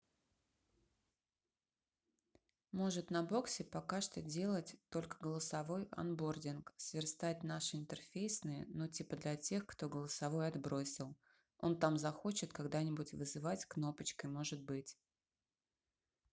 может на боксе пока что делать только голосовой онбординг сверстать наши интерфейсные ну типа для тех кто голосовой отбросил он там захочет когда нибудь вызывать кнопочкой может быть